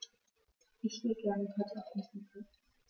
Ich will gerne Kartoffelsuppe.